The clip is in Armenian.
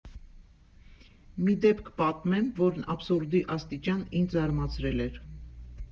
Մի դեպք պատմեմ, որն աբսուրդի աստիճան ինձ զարմացրել էր.